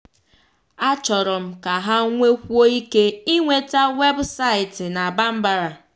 Achọrọ m ka ha nwee kwuo ike ịnweta webụsaịtị na Bambara.